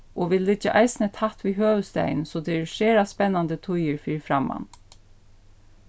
og vit liggja eisini tætt við høvuðsstaðin so tað eru sera spennandi tíðir fyri framman